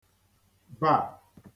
bà